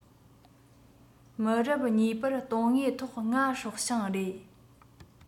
མི རབས གཉིས པར དོན དངོས ཐོག ང སྲོག ཤིང རེད